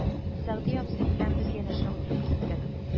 Сәгъди абзый белән без янәшә утырып киттек